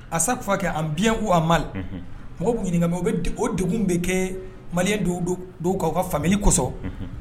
A sa kɛ an biyanko a mali mɔgɔ bɛ ɲininka u bɛ o de bɛ kɛ mali kan ka faamuya kosɔn